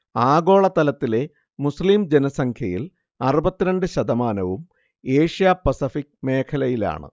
ആഗോളതലത്തിലെ മുസ്ലിം ജനസംഖ്യയിൽ അറുപത്തിരണ്ട് ശതമാനവും ഏഷ്യ-പസഫിക് മേഖലയിലാണ്